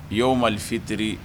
Y'o mali fittiri